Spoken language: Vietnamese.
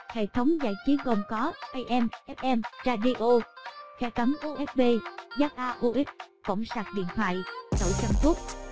hệ thống giải trí gồm có am fm radio khe cắm usb jack aux cổng sạc điện thoại tẩu châm thuốc